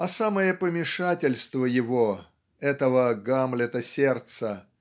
А самое помешательство его, этого Гамлета сердца,